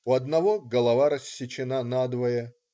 У одного голова рассечена надвое.